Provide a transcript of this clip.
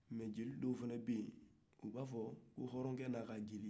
mais jeli dɔw fana beyen u b'a fɔ ko hɔɔrɔ kɛ n'a jatigi